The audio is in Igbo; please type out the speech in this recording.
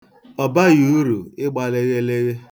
Ọ baghị uru ịgba lịghịlịghị.